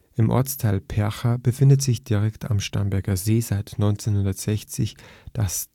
In Ortsteil Percha befindet sich direkt am Starnberger See seit 1960 das Taucherausbildungszentrum